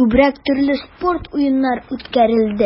күбрәк төрле спорт уеннары үткәрелде.